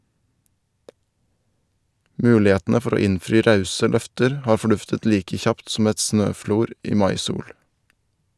Mulighetene for å innfri rause løfter har forduftet like kjapt som et snøflor i maisol.